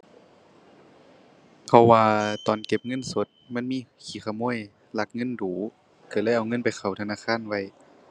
เพราะว่าตอนเก็บเงินสดมันมีขี้ขโมย ลักเงินดู๋ ก็เลยเอาเงินไปเข้าธนาคารไว้